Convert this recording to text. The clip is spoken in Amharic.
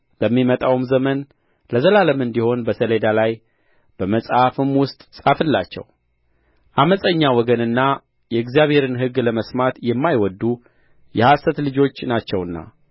ለሚመጣውም ዘመን ለዘላለም እንዲሆን በሰሌዳ ላይ በመጽሐፍም ውስጥ ጻፍላቸው ዓመፀኛ ወገንና የእግዚአብሔርን ሕግ ለመስማት የማይወድዱ የሐሰት ልጆች ናቸውና